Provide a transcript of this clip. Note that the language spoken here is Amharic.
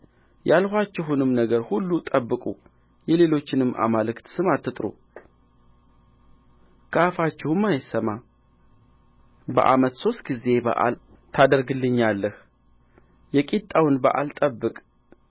ያልኋችሁንም ነገር ሁሉ ጠብቁ የሌሎችንም አማልክት ስም አትጥሩ ከአፋችሁም አይሰማ በዓመት ሦስት ጊዜ በዓል ታደርግልኛለህ የቂጣውን በዓል ጠብቅ